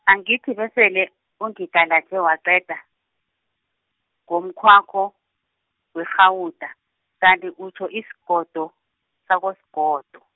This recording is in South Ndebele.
angithi besele ungigalaje waqeda, ngomukhwakho, werhawuda, kanti utjho isigodo, sakosigodo.